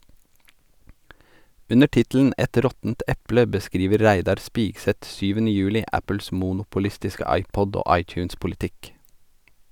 Under tittelen "Et råttent eple" beskriver Reidar Spigseth 7. juli Apples monopolistiske iPod- og iTunes-politikk.